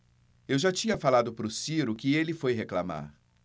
eu já tinha falado pro ciro que ele foi reclamar